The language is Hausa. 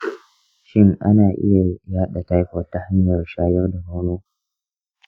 shin ana iya yaɗa taifoid ta hanyar shayar da nono?